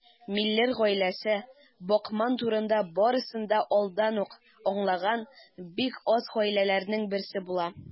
Миллер гаиләсе Бакман турында барысын да алдан ук аңлаган бик аз гаиләләрнең берсе була.